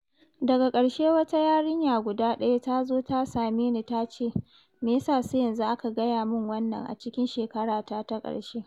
‘Daga ƙarshe wata yarinya guda ɗaya ta zo ta same ni ta ce: ‘Me ya sa sai yanzu aka gaya mun wannan, a cikin shekarata ta karshe?’